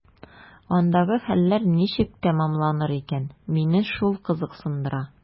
Андагы хәлләр ничек тәмамланыр икән – мине шул кызыксындыра.